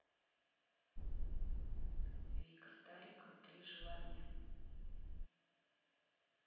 вика старикова три желания